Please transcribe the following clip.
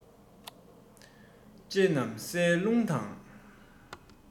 ཅེས གནམ སའི རླུང དང